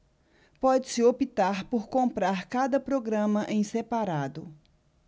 pode-se optar por comprar cada programa em separado